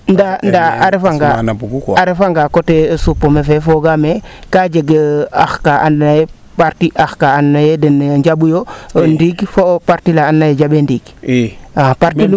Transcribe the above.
ndaa a refa nga a refa ngaa coté supame fee fogaame kaa jeg ax kaa ando naye partie ax kaa and naye den njambu yo ndiing fo partie laa and naye jambee ndiing i partie lim jambu teen